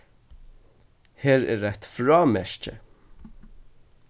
her er eitt frámerki